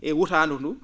e wuraandu nduu